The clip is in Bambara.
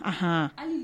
Aɔn